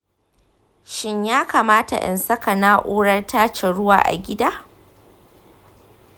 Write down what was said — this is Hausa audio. shin ya kamata in saka na’urar tace ruwa a gida?